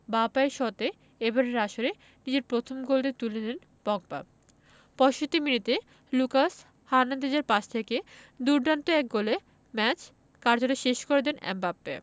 বাঁ পায়ের শটে এবারের আসরে নিজের প্রথম গোলটি তুলে নেন পগবা ৬৫ মিনিটে লুকাস হার্নান্দেজের পাস থেকে দুর্দান্ত এক গোলে ম্যাচ কার্যত শেষ করে দেন এমবাপ্পে